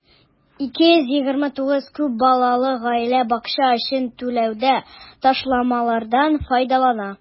229 күп балалы гаилә бакча өчен түләүдә ташламалардан файдалана.